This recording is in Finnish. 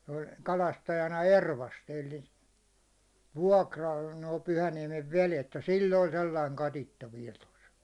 se oli kalastajana Ervasti eli vuokralla nuo Pyhäniemen vedet ja sillä oli sellainen katiska vielä tuossa